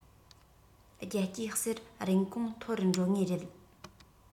རྒྱལ སྤྱིའི གསེར རིན གོང མཐོ རུ འགྲོ ངེས རེད